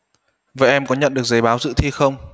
vậy em có nhận được giấy báo dự thi không